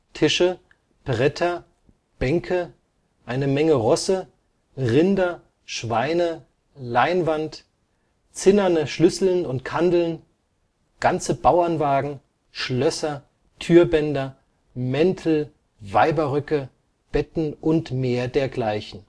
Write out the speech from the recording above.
Tische, Bretter, Bänke, eine Menge Rosse, Rinder, Schweine, Leinwand, zinnerne Schüsseln und Kandeln, ganze Bauernwagen, Schlösser, Türbänder, Mäntel, Weiberröcke, Betten und mehr dergleichen